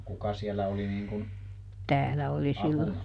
no kuka siellä oli niin kuin apuna